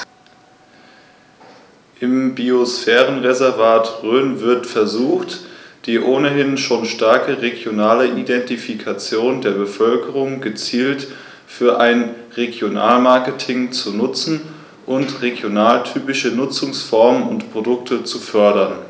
Im Biosphärenreservat Rhön wird versucht, die ohnehin schon starke regionale Identifikation der Bevölkerung gezielt für ein Regionalmarketing zu nutzen und regionaltypische Nutzungsformen und Produkte zu fördern.